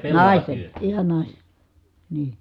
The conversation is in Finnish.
naisten ihan naisen niin